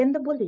endi bo'ldi